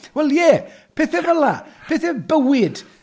Wel, ie. Pethau fel 'na. Pethau bywyd.